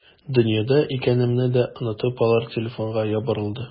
Дөньяда икәнемне дә онытып, алар телефонга ябырылды.